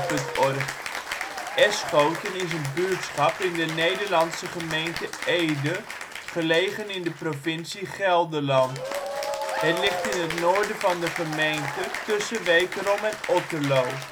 OL Eschoten Plaats in Nederland Situering Provincie Gelderland Gemeente Ede Coördinaten 52° 7′ NB, 5° 45′ OL Portaal Nederland Eschoten is een buurtschap in de Nederlandse gemeente Ede, gelegen in de provincie Gelderland. Het ligt in het noorden van de gemeente tussen Wekerom en Otterlo